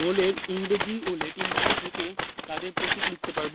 মৌলের ইংরেজি ও ল্যাটিন নাম থেকে তাদের প্রতীক লিখতে পারব